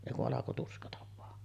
ei kun alkoi tuskata vain